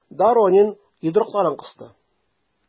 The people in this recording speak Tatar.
Доронин йодрыкларын кысты.